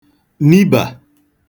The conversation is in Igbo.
nibà